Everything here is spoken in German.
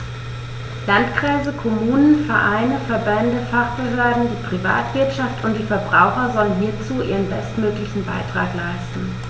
Landkreise, Kommunen, Vereine, Verbände, Fachbehörden, die Privatwirtschaft und die Verbraucher sollen hierzu ihren bestmöglichen Beitrag leisten.